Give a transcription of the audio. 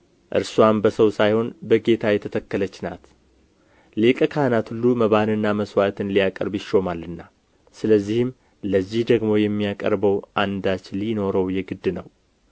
እርስዋም በሰው ሳይሆን በጌታ የተተከለች ናት ሊቀ ካህናት ሁሉ መባንና መሥዋዕትን ሊያቀርብ ይሾማልና ስለዚህም ለዚህ ደግሞ የሚያቀርበው አንዳች ሊኖረው የግድ ነው